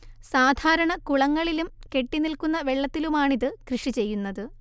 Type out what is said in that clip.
സാധാരണ കുളങ്ങളിലും കെട്ടിനിൽക്കുന്ന വെള്ളത്തിലുമാണിത് കൃഷി ചെയ്യുന്നത്